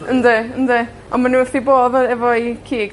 Yndi, yndi. Ond ma' nw wrth 'u bodd yy efo 'u cig...